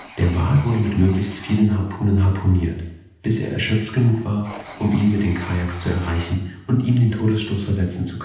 Der Wal wurde mit möglichst vielen Harpunen harpuniert, bis er erschöpft genug war, um ihn mit den Kajaks zu erreichen und ihm den Todesstoß versetzen zu können